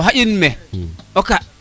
o xaƴi me o ka